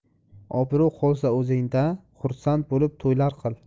obro' qolsa o'zingda xursand bo'lib to'ylar qil